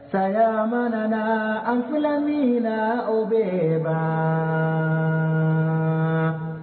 Saya ma na na, an filanni bɛ ban